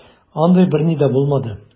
Андый берни дә булмады.